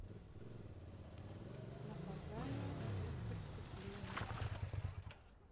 наказание без преступления